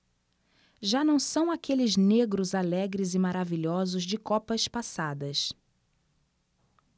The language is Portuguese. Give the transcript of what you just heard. já não são aqueles negros alegres e maravilhosos de copas passadas